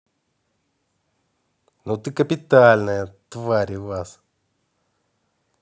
ну ты капитальная твари вас